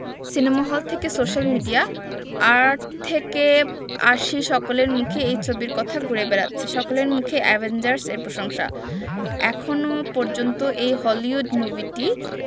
cinema hall থেকে social media আট থেকে আশি সকলের মুখেই এই ছবির কথা ঘুরে বেড়াচ্ছে সকলের মুখে অ্যাভেঞ্জার্স এর প্রশংসা এখনও পর্যন্ত এই হলিউড মুভিটি